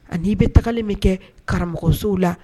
Anii bɛ tagalen min kɛ karamɔgɔsow la